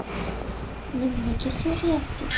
nimaga so'rayapsiz